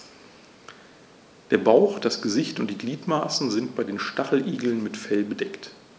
Der Bauch, das Gesicht und die Gliedmaßen sind bei den Stacheligeln mit Fell bedeckt.